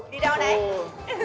đi đâu đấy